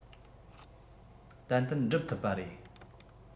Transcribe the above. ཏན ཏན སྒྲུབ ཐུབ པ རེད